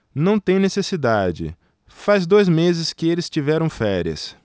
não tem necessidade faz dois meses que eles tiveram férias